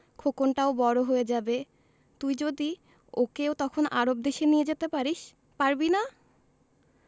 খোকনটাও বড় হয়ে যাবে তুই যদি ওকেও তখন আরব দেশে নিয়ে যেতে পারিস পারবি না